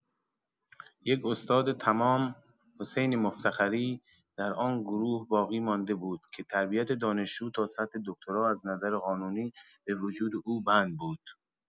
یک استادتمام، حسین مفتخری، در آن گروه باقی‌مانده بود که تربیت دانشجو تا سطح دکتری از نظر قانونی به وجود او بند بود.